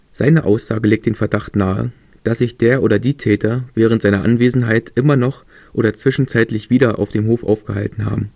Seine Aussage legt den Verdacht nahe, dass sich der oder die Täter während seiner Anwesenheit immer noch oder zwischenzeitlich wieder auf dem Hof aufgehalten haben